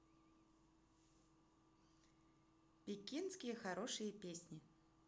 пекинские хорошие песни